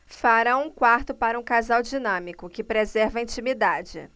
farão um quarto para um casal dinâmico que preserva a intimidade